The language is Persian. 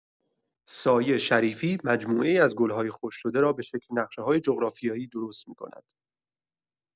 سایه شریفی، مجموعه‌ای از گل‌های خشک شده را به شکل نقشه‌های جغرافیایی درست می‌کند.